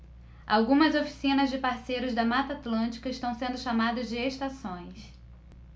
algumas oficinas de parceiros da mata atlântica estão sendo chamadas de estações